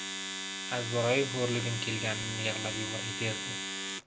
azbaroyi xo'rligim kelganidan yig'lab yuboray derdim